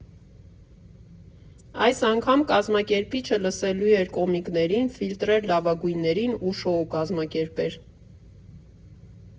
Այս անգամ կազմակերպիչը լսելու էր կոմիկներին, ֆիլտրեր լավագույններին ու շոու կազմակերպեր։